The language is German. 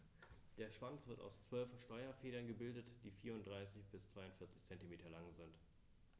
Der Schwanz wird aus 12 Steuerfedern gebildet, die 34 bis 42 cm lang sind.